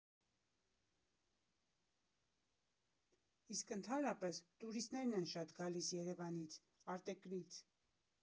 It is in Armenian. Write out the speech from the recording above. Իսկ ընդհանրապես տուրիստներն են շատ գալիս՝ Երևանից, արտերկրից։